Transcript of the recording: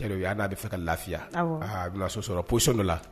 Yɔrɔ hali n’a b’a fɛ ka lafiya, awɔ, a bɛna so sɔrɔ position dɔ la